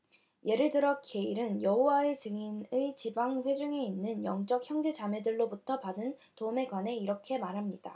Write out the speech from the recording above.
예를 들어 게일은 여호와의 증인의 지방 회중에 있는 영적 형제 자매들로부터 받은 도움에 관해 이렇게 말합니다